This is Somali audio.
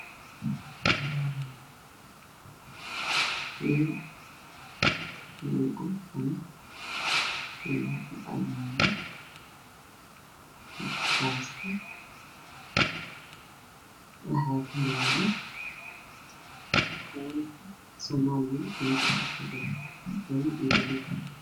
Ah oo cad iska been ah oo wax lagu soo duubaysan jirin oo iska soo duubay waxa saaran waxyaal waa madow iyo caddaan isku jiro